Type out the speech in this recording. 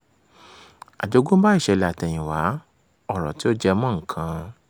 Àjogúnbá Ìṣẹ̀lẹ̀ Àtẹ̀yìnwá —ọ̀rọ̀ tí ò jẹ́ mọ́ nǹkan